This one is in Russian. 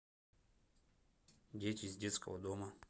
дети из детского дома